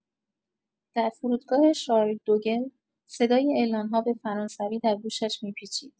در فرودگاه شارل دوگل، صدای اعلان‌ها به فرانسوی در گوشش می‌پیچید.